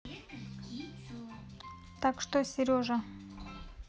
так что сережа